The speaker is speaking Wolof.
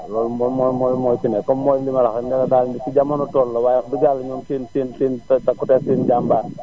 loolu moom moom moo ci ne comme mooy li ma wax rekk moone daal fi jamono toll la waaye daal wax dëgg Yàlla ñoom seen seen seen takkute ak seen njambaar